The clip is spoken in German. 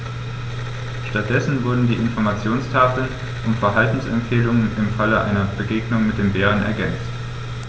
Stattdessen wurden die Informationstafeln um Verhaltensempfehlungen im Falle einer Begegnung mit dem Bären ergänzt.